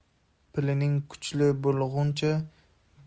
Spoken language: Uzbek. piling kuchli bo'lguncha